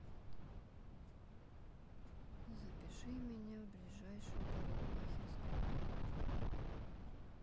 запиши меня в ближайшую парикмахерскую